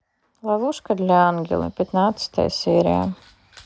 ловушка для ангела пятнадцатая серия